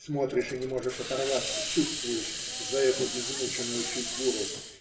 Смотришь и не можешь оторваться, чувствуешь за эту измученную фигуру.